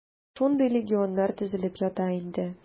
Шундый легионнар төзелеп ята инде.